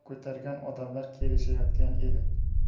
ko'targan odamlar kelishayotgan edi